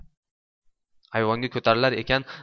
ayvonga ko'tarilar ekan